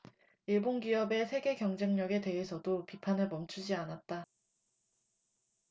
일본 기업의 세계 경쟁력에 대해서도 비판을 멈추지 않았다